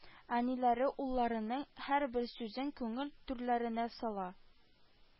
Әниләре улларының һәрбер сүзен күңел түрләренә сала